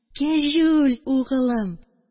Кәҗүл, угылым.